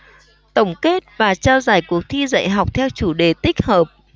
tổng kết và trao giải cuộc thi dạy học theo chủ đề tích hợp